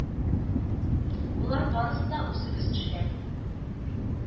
Болар барысы да үзебез эшләп